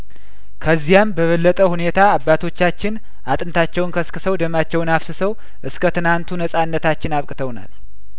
ከዚያም በበለጠ ሁኔታ አባቶቻችን አጥንታቸውን ከስክ ሰው ደማቸውን አፍስሰው እስከ ትናንቱ ነጻነታችን አብቀተውናል